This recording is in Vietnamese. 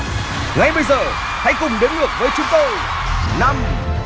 ngay bây giờ hãy cùng đếm ngược với chung tôi năm